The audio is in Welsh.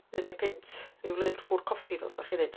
Deuddeg punt, ryw lyfr bwrdd coffi, fel 'sa chi'n ddweud.